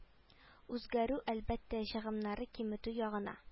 Үзгәрү әлбәттә чыгымнары киметү ягына